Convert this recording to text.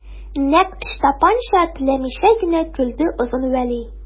Нәкъ Ычтапанча теләмичә генә көлде Озын Вәли.